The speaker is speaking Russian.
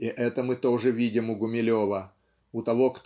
и это мы тоже видим у Гумилева у того